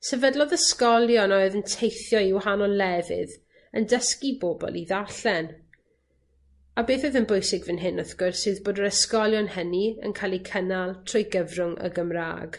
Sefydlodd ysgolion a oedd yn teithio i wahanol lefydd yn dysgu bobol i ddarllen, a beth oedd yn bwysig fyn hyn wrth gwrs yw bod yr ysgolion hynny yn cael eu cynnal trwy gyfrwng y Gymra'g.